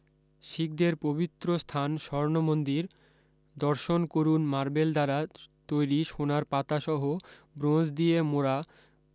শিখদের পবিত্র স্থান স্বরণ মন্দির দর্শন করুণ মার্বেল দ্বারা তৈরী সোনার পাতা সহ ব্রোঞ্জ দিয়ে মোড়া